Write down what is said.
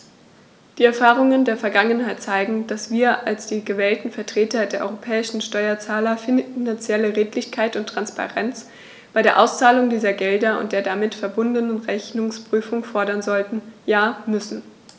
Die Erfahrungen der Vergangenheit zeigen, dass wir als die gewählten Vertreter der europäischen Steuerzahler finanzielle Redlichkeit und Transparenz bei der Auszahlung dieser Gelder und der damit verbundenen Rechnungsprüfung fordern sollten, ja müssen.